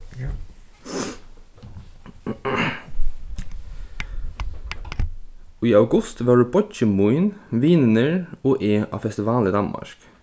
ja í august vóru beiggi mín vinirnir og eg á festival í danmark